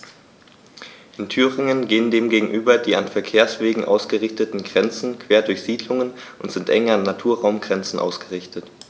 In Thüringen gehen dem gegenüber die an Verkehrswegen ausgerichteten Grenzen quer durch Siedlungen und sind eng an Naturraumgrenzen ausgerichtet.